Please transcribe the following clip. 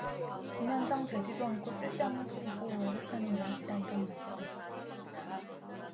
김현정 되지도 않고 쓸데없는 소리고 왜곡하는 이야기다 이런 말씀